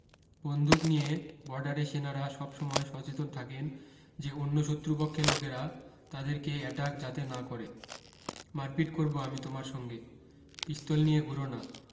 বন্ধুক নিয়ে বর্ডারে সেনারা সব সময় সচেতন থাকেন যে অন্য শত্রু পক্ষে লোকেরা তাদের কে অ্যাটাক যাতে না করে মারপিট করব আমি তোমার সঙ্গে পিস্তল নিয়ে ঘুরো না